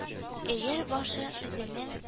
Өер башы үзенең